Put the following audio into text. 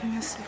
merci